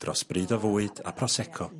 dros bryd o fwyd a prosecco.